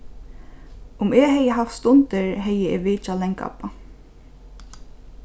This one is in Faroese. um eg hevði havt stundir hevði eg vitjað langabba